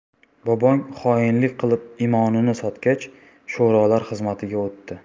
bobong xoinlik qilib imonini sotgach sho'rolar xizmatiga o'tdi